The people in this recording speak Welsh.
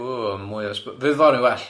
Ww mwy o sb- fydd fory'n well.